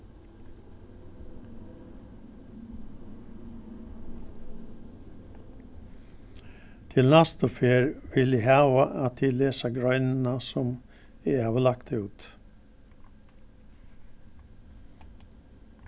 til næstu ferð vil eg hava at tit lesa greinina sum eg havi lagt út